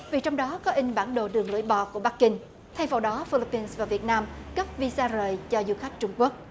vì trong đó có in bản đồ đường lưỡi bò của bắc kinh thay vào đó phi líp pin và việt nam cấp vi sa rời cho du khách trung quốc